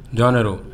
Jɔn de don